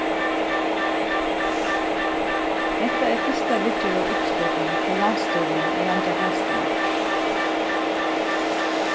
hetta er fyrsta viðgerð av uppskotinum hjá landsstýrinum at leingja freistina